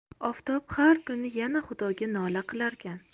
oftob har kuni yana xudoga nola qilarkan